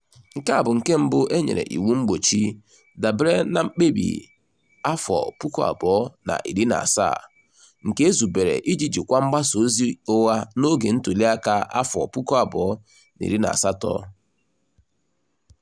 Nke a bụ nke mbụ e nyere iwu mgbochi dabere na mkpebi 2017 nke e zubere iji jikwa mgbasa ozi ụgha n'oge ntuliaka 2018.